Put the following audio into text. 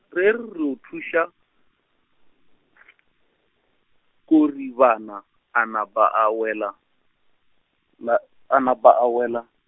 re re yo thuša , Koribana a napa a wela, la, a napa a wela.